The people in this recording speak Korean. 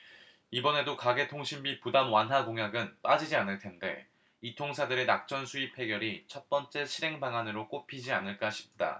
이번에도 가계통신비 부담 완화 공약은 빠지지 않을텐데 이통사들의 낙전수입 해결이 첫번째 실행 방안으로 꼽히지 않을까 싶다